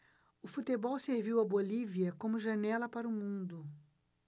o futebol serviu à bolívia como janela para o mundo